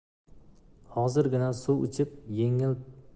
hozirgina suv ichib